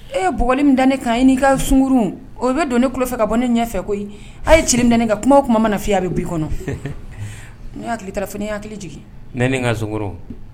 E ye bugɔli min dan ne kan i n'i ka sunkuruw o bɛ don ne tulo fɛ ka bɔ ne ɲɛ fɛ koyi a' ye cili min da ne kan kuma o kuma mana fɔ i ye a bɛ bɔ i kɔnɔ ne hakili t'a la fo n'i ye n hakili jigin, ne ni n ka sunkuruw